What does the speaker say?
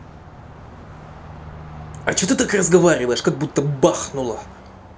а че ты так разговариваешь как будто бахнула